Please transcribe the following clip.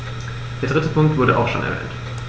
Der dritte Punkt wurde auch schon erwähnt.